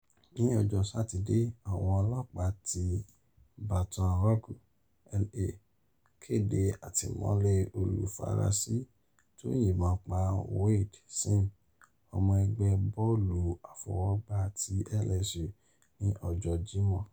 Ní ọjọ́ Sátidé, àwọn ọlọ́pàá ti Baton Rogue, La., kéde àtìmọ́lé olùfurasí tó yìnbọn pa Wayde Sims, ọmọ ẹgbẹ́ bọ́ọ̀lù àfọwọ́gbá ti LSU, ní ọjọ́ Jímọ̀.